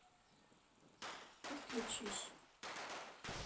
подключись